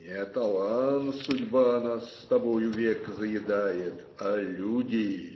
- Не талан-судьба нас с тобою век заедает, а люди.